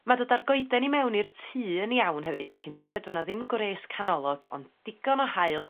Ma' dod â'r goeden i mewn i'r tŷ yn iawn hefyd cyn belled fo' 'na ddim gwres canolog ond digon o haul